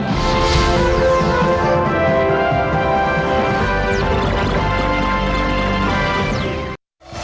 thưa